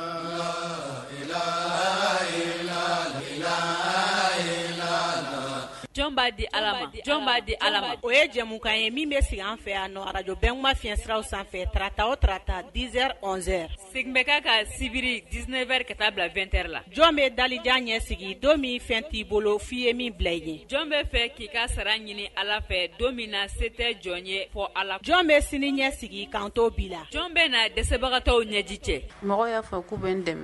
Di jɔn di o ye jɛmukan ye min bɛ sigi an fɛ ajjɔ bɛnma fi fiɲɛyɛnsiraraww sanfɛ tarata o tata diz segin bɛ ka ka sibiri disinɛɛrɛ ka taa bila2t la jɔn bɛ dalijan ɲɛ sigi don min fɛn t'i bolo f'i ye min bila i ye jɔn bɛ fɛ k'i ka sara ɲini ala fɛ don min na se tɛ jɔn ye fɔ a la jɔn bɛ sini ɲɛ sigi kan bi la jɔn bɛ na dɛsɛbagatɔw ɲɛji cɛ mɔgɔ y'a